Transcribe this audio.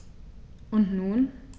Und nun?